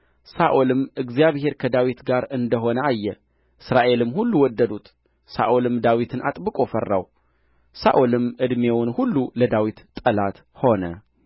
ሳኦልም እግዚአብሔር ከዳዊት ጋር እንደ ሆነ አየ እስራኤልም ሁሉ ወደዱት ሳኦልም ዳዊትን አጥብቆ ፈራው ሳኦልም ዕድሜውን ሁሉ ለዳዊት ጠላት ሆነ